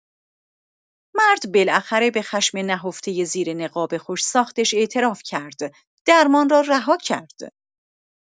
وقتی بالاخره به خشم نهفته زیر نقاب خوش‌ساختش اعتراف کرد، درمان را رها کرد.